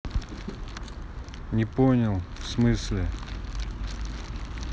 не понял в смысле